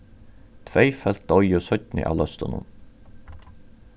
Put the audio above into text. tvey fólk doyðu seinni av løstunum